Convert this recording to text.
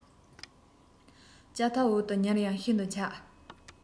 ལྕགས ཐབ འོག ཏུ ཉལ ཡང ཤིན ཏུ འཁྱགས